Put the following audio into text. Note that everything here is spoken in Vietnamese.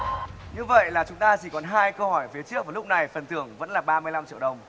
như vậy là chúng ta chỉ còn hai câu hỏi phía trước và lúc này phần thưởng vẫn là ba mươi lăm triệu đồng